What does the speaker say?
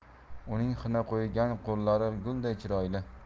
uning xina qo'yilgan qo'llari gulday chiroyli